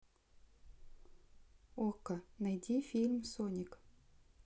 окко найди фильм соник